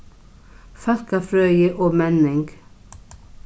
fólkafrøði og menning